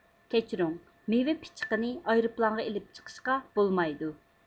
كەچۈرۈڭ مېۋە پىچىقىنى ئايروپىلانغا ئېلىپ چىقىشقا بولمايدۇ